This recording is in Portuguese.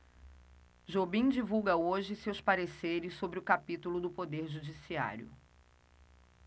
jobim divulga hoje seus pareceres sobre o capítulo do poder judiciário